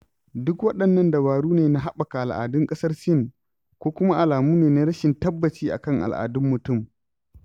Duk waɗannan dabaru ne na haɓaka al'adun ƙasar Sin ko kuma alamu ne na rashin tabbaci a kan al'adun mutum?